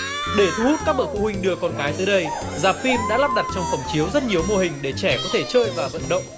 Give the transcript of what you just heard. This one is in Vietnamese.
để thu hút các bậc phụ huynh đưa con cái tới đây rạp phim đã lắp đặt trong phòng chiếu rất nhiều mô hình để trẻ có thể chơi và vận động